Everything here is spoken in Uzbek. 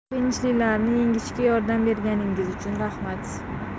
qiyinchiliklarni yengishga yordam berganingiz uchun rahmat